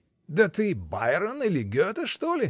— Да ты — Байрон или Гете, что ли?.